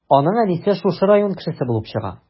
Аның әнисе шушы район кешесе булып чыга.